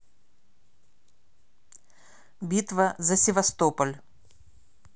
битва за севастополь